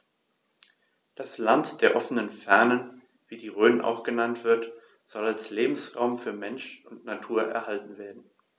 Das „Land der offenen Fernen“, wie die Rhön auch genannt wird, soll als Lebensraum für Mensch und Natur erhalten werden.